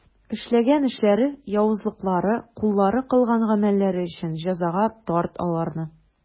Эшләгән эшләре, явызлыклары, куллары кылган гамәлләре өчен җәзага тарт аларны.